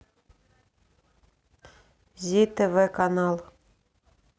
зи тв канал